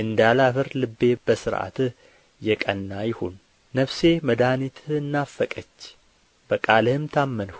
እንዳላፍር ልቤ በሥርዓትህ የቀና ይሁን ነፍሴ መድኃኒትህን ናፈቀች በቃልህም ታመንሁ